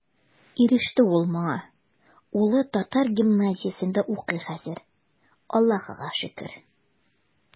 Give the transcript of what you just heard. Иреште ул моңа, улы татар гимназиясендә укый хәзер, Аллаһыга шөкер.